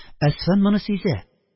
Әсфан моны сизә